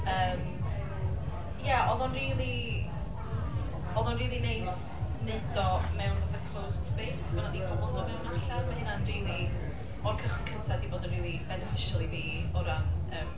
Yym ia, oedd o'n rili, oedd o'n rili neis wneud o mewn fatha closed space, bod 'na ddim pobol yn dod mewn a allan. Ma' hynna'n rili... o'r cychwyn cynta di bod yn rili beneficial i fi o ran, yym…